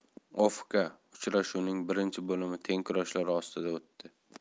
ofk uchrashuvning birinchi bo'limi teng kurashlar ostida o'tdi